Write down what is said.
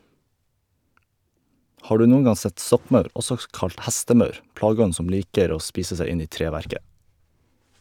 Har du noen gang sett stokkmaur, også kalt hestemaur, plageånden som liker å spise seg inn i treverket?